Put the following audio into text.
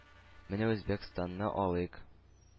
Менә Үзбәкстанны алыйк.